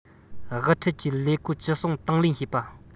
དབུ ཁྲིད ཀྱི ལས བཀོད ཅི གསུང དང ལེན བྱེད པ